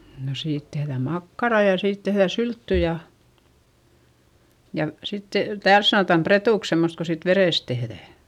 no siitä tehdään makkaraa ja siitä tehdään sylttyä ja ja sitten täällä sanotaan pretuksi semmoista kun siitä verestä tehdään